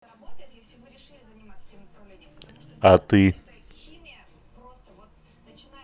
а ты